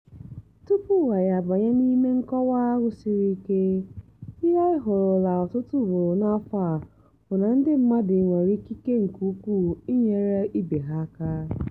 Tụpụ anyị abanye n'ime nkọwa ahụ siri ike, ihe anyị hụrụla ọtụtụ ugboro n'afọ a bụ na ndị mmadụ nwere ikike nke ukwuu inyere ibe ha aka.